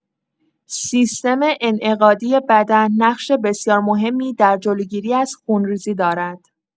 سیستم انعقادی بدن نقش بسیار مهمی در جلوگیری از خونریزی دارد.